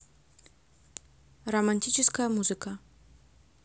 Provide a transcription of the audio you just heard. романтическая музыка